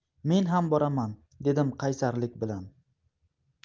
men ham boraman dedim qaysarlik bilan